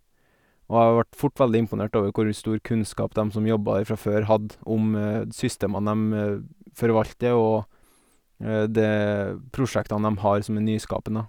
Og jeg vart fort veldig imponert over hvor stor kunnskap dem som jobba der fra før hadde om d systemene dem forvalter og det prosjektene dem har som er nyskapende.